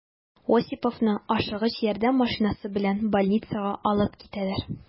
Осиповны «Ашыгыч ярдәм» машинасы белән больницага алып китәләр.